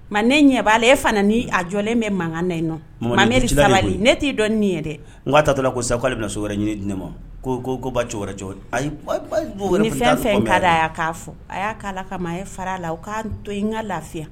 Mɛ ne ɲɛ b'aale e fana ni a jɔlen bɛ mankan na nɔn ne t'i dɔn nin ye dɛ'a ta to la ko sa k'ale na so wɛrɛ ɲini di ne ma ko ko ko ba fɛn fɛn ka' fɔ a y'a' kama fara a la k'an to n ka lafiya